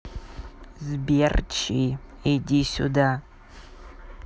сбер чи иди сюда